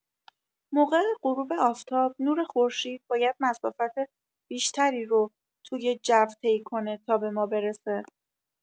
موقع غروب آفتاب، نور خورشید باید مسافت بیشتری رو توی جو طی کنه تا به ما برسه.